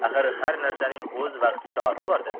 axir har narsaning o'z vaqti soati bor da